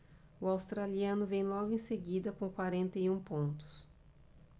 o australiano vem logo em seguida com quarenta e um pontos